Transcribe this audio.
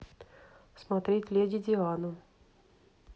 смотреть леди диану